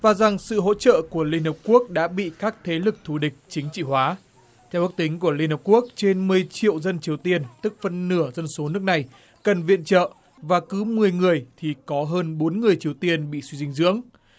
và rằng sự hỗ trợ của liên hiệp quốc đã bị các thế lực thù địch chính trị hóa theo ước tính của liên hiệp quốc trên mười triệu dân triều tiên tức phân nửa dân số nước này cần viện trợ và cứ mười người thì có hơn bốn người triều tiên bị suy dinh dưỡng